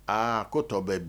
Aa ko tɔ bɛ